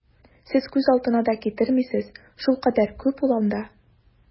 Сез күз алдына да китермисез, шулкадәр күп ул анда!